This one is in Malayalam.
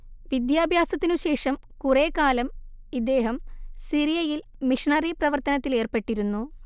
വിദ്യാഭ്യാസത്തിനുശേഷം കുറേക്കാലം ഇദ്ദേഹം സിറിയയിൽ മിഷനറി പ്രവർത്തനത്തിലേർപ്പെട്ടിരുന്നു